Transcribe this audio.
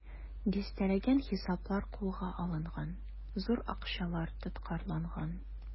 Дистәләгән хисаплар кулга алынган, зур акчалар тоткарланган.